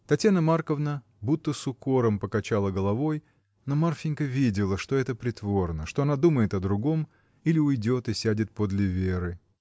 Татьяна Марковна, будто с укором, покачала головой, но Марфинька видела, что это притворно, что она думает о другом, или уйдет и сядет подле Веры.